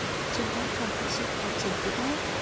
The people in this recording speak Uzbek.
chindan ham eshik ochildi da